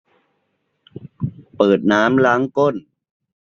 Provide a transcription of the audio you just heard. เปิดน้ำล้างก้น